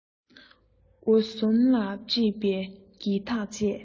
འོ ཟོམ ལ དཀྲིས པའི སྒྱིད ཐག བཅས